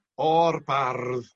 o'r bardd